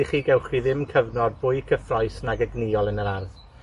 i chi. Gewch chi ddim cyfnod fwy cyffrous nag egnïol yn yr ardd.